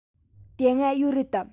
དེ སྔ ཡོད རེད དམ